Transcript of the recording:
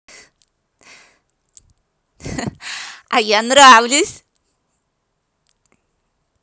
а я нравлюсь